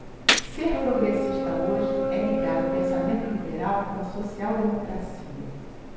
ser progressista hoje é ligar o pensamento liberal com a social democracia